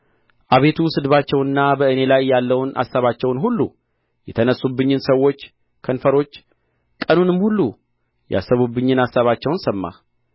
አቤቱ ስድባቸውንና በእኔ ላይ ያለውን አሳባቸውን ሁሉ የተነሡብኝን ሰዎች ከንፈሮች ቀኑንም ሁሉ ያሰቡብኝን አሳባቸውን ሰማህ